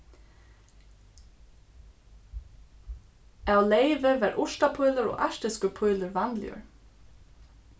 av leyvi var urtapílur og arktiskur pílur vanligur